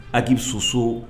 sosoo